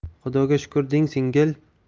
xudoga shukur deng singil